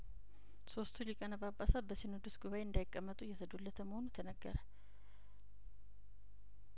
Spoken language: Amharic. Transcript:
ሶስቱ ሊቃነ ጳጳሳት በሲኖዶሱ ጉባኤ እንዳይቀመጡ እየተዶለተ መሆኑ ተነገረ